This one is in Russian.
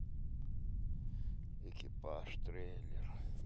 экипаж трейлер